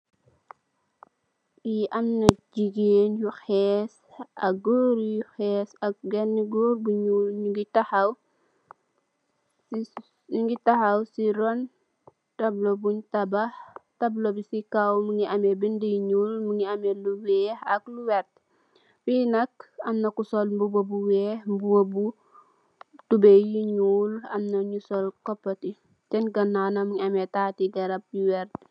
Fi amna jigen yu xése ak Goor yu xése ak bena Goor bu njul mungi taxaw ci rone tablou buñ tabax ci kaw mungi ame binda yu njul ak Lou wex ak Lou wert Fi nak amna ku sol mbuba bu wex toubey bu njul amna nou sol copati sene ganaw nak mungi am tati garab gu wert